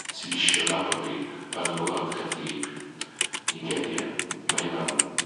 sy isio nabod 'i yn y gwlad gath 'i 'i geni yn ma' hynna'n